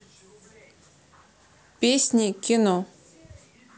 песни кино